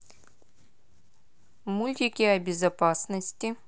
мультики о безопасности